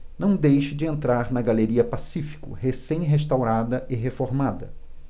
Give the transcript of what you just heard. não deixe de entrar na galeria pacífico recém restaurada e reformada